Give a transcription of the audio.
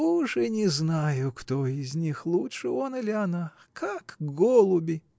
— Уж и не знаю, кто из них лучше — он или она? Как голуби!